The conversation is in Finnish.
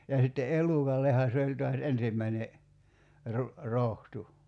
ja sitten elukallehan se oli taas ensimmäinen - rohto